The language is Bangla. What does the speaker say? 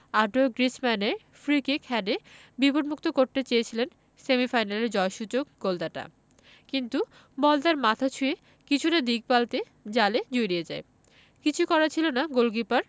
আঁতোয়া গ্রিজমানের ফ্রিকিক হেডে বিপদমুক্ত করতে চেয়েছিলেন সেমিফাইনালের জয়সূচক গোলদাতা কিন্তু বল তার মাথা ছুঁয়ে কিছুটা দিক পাল্টে জালে জড়িয়ে যায় কিছুই করার ছিল না গোলকিপার